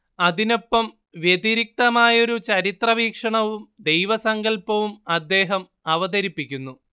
അതിനൊപ്പം വ്യതിരിക്തമായൊരു ചരിത്രവീക്ഷണവും ദൈവസങ്കല്പവും അദ്ദേഹം അവതരിപ്പിക്കുന്നു